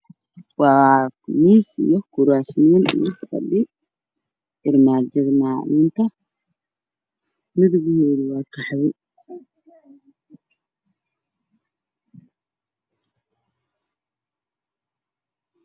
Waa miis iyo kuwaasiin iyo fadhi armaajada maacuunka midawgoodu waa kofee